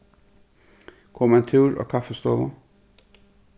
kom ein túr á kaffistovu